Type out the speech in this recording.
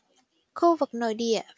khu vực nội địa